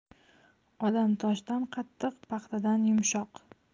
odam toshdan qattiq paxtadan yumshoq